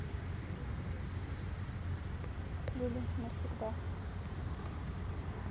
лиля навсегда